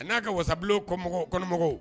N'a ka wasabilen kɔnɔmɔgɔw